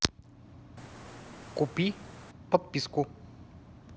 купи подписку